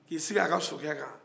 k'i sigi a ka sokɛ kan